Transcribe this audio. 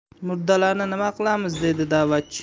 murdalarni nima qilamiz dedi da'vatchi